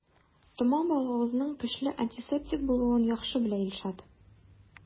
Тома балавызның көчле антисептик булуын яхшы белә Илшат.